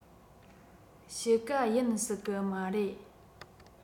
དཔྱིད ཀ ཡིན སྲིད གི མ རེད